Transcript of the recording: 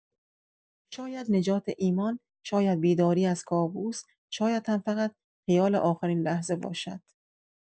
شاید نجات ایمان، شاید بیداری از کابوس، شاید هم فقط خیال آخرین لحظه باشد.